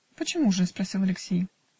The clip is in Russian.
"А почему же?" -- спросил Алексей.